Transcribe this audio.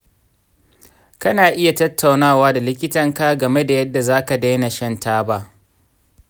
kana iya tattaunawa da likitanka game da yadda za ka daina shan taba.